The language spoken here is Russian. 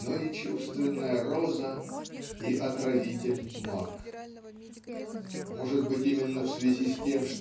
но и чувственная роза и отравитель-мак. Может быть именно в связи с тем